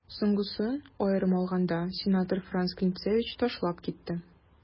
Соңгысын, аерым алганда, сенатор Франц Клинцевич ташлап китте.